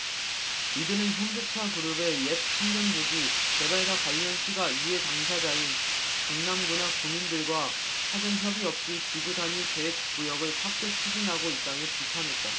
이들은 현대차그룹의 옛 한전부지 개발과 관련 시가 이해당사자인 강남구나 구민들과 사전협의없이 지구단위계획구역을 확대 추진하고 있다며 비판했다